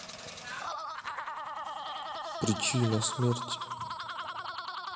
причина смерти